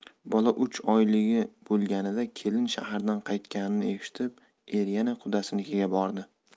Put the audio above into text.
bola uch oyli bo'lganida kelin shahardan qaytganini eshitib er yana qudasinikiga bordi